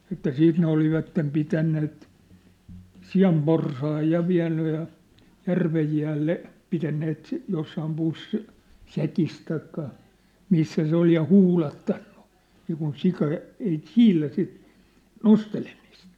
että siitä ne olivat pitäneet sianporsaan ja vieneet ja järven jäälle pitäneet jossakin pussissa säkissä tai missä se oli ja huudattanut niin kuin sika ei siedä sitä nostelemista